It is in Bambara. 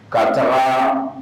Kaata